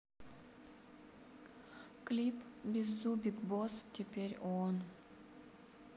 клип беззубик босс теперь он